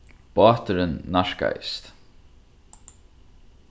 báturin nærkaðist